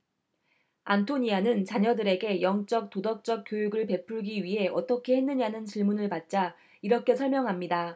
안토니아는 자녀들에게 영적 도덕적 교육을 베풀기 위해 어떻게 했느냐는 질문을 받자 이렇게 설명합니다